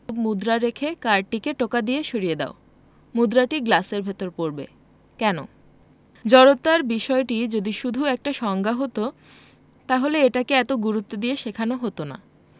মুদ্রা রেখে কার্ডটিকে টোকা দিয়ে সরিয়ে দাও মুদ্রাটি গ্লাসের ভেতর পড়বে কেন জড়তার বিষয়টি যদি শুধু একটা সংজ্ঞা হতো তাহলে এটাকে এত গুরুত্ব দিয়ে শেখানো হতো না